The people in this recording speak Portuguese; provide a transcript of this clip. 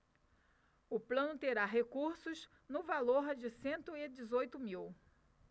o plano terá recursos no valor de cento e dezoito mil